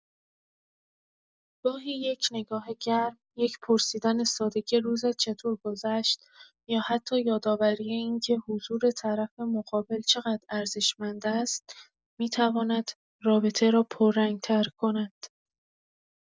گاهی یک نگاه گرم، یک پرسیدن ساده که روزت چطور گذشت یا حتی یادآوری اینکه حضور طرف مقابل چقدر ارزشمند است، می‌تواند رابطه را پررنگ‌تر کند.